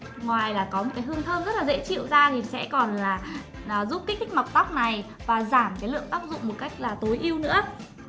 ngoài là có một cái hương thơm rất là dễ chịu ra thì sẽ còn là à giúp kích thích mọc tóc này và giảm cái lượng tóc rụng một cách là tối ưu nữa